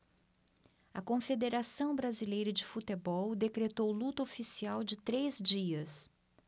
a confederação brasileira de futebol decretou luto oficial de três dias